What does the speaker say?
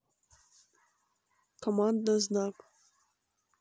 команда знак